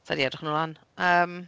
Sa i 'di edrych nhw lan yym...